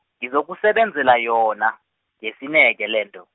ngizokusebenzela yona, ngesineke lento.